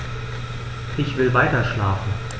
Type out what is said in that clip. Ich will weiterschlafen.